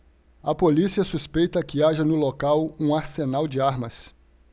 a polícia suspeita que haja no local um arsenal de armas